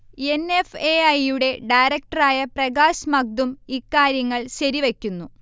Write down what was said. N. F. A. I. യുടെ ഡയറക്ടറായ പ്രകാശ് മഗ്ദും ഇക്കാര്യങ്ങൾ ശരിവയ്ക്കുന്നു